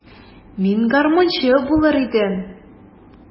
Мин гармунчы булыр идем.